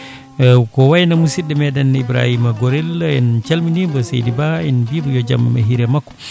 e ko wayno musidɗo meɗen Ibahima Gorel en calminimo seydi Ba en mbimo yo jaam hiire makko